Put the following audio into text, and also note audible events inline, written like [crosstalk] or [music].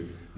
[hesitation]